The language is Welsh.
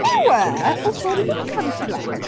Yw e?! O sori bo fi'n cadw ti lan.